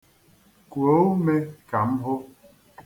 Kuo ume ka m hụ.